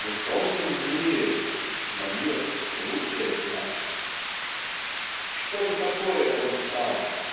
Мы тонем в мире, но мир слушает нас. Что же такое он сам?